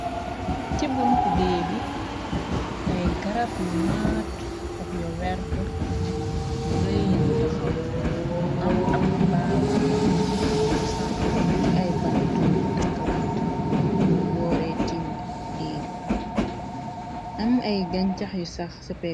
Ci buntu dee bi ay garab yu naat xob yu werta yu rëy ya nga taxaw. Mu am ab mbaal buñu sànni ci ay bant yu takkalante, muy yoore tiim gaj bi, am ay gañcax yusax ci pegi bi.